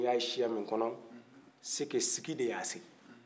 ni ya siya min kɔnɔ c'est que sigi de ye a se yen